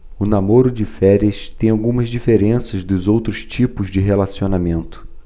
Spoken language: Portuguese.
o namoro de férias tem algumas diferenças dos outros tipos de relacionamento